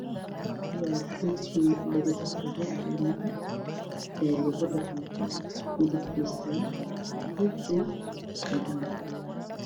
Waa geed lagu dhex rido ilmaha waxaa ka dambeeyo geed kale oo baxayo waxaan hoose yaalo qalaf